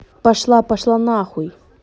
пошла пошла нахуй